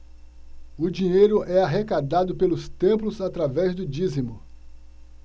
o dinheiro é arrecadado pelos templos através do dízimo